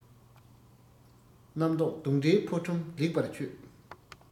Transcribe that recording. རྣམ རྟོག སྡུག འདྲེའི ཕོ ཁྲོམ ལེགས པར ཆོད